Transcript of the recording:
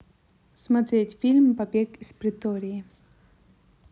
смотреть фильм побег из претории